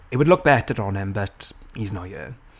It would look better on him but he's not here.